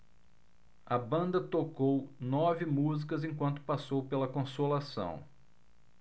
a banda tocou nove músicas enquanto passou pela consolação